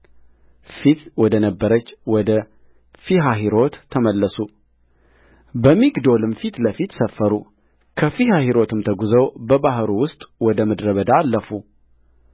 ፊት ወደ ነበረች ወደ ፊሀሒሮት ተመለሱ በሚግዶልም ፊት ለፊት ሰፈሩከፊሀሒሮትም ተጕዘው በባሕሩ ውስጥ ወደ ምድረ በዳ አለፉ